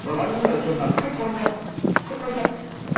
và có những người trường hợp khách quan thật khách quan thật